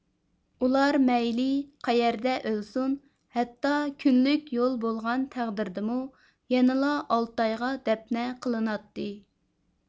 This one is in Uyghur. ئۇلار مەيلى قەيەردە ئۆلسۇن ھەتتا كۈنلۈك يول بولغان تەقدىردىمۇ يەنىلا ئالتايغا دەپنە قىلىناتتى